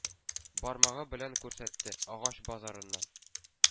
Бармагы белән күрсәтте,- агач базарыннан